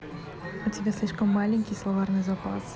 у тебя слишком маленький словарный запас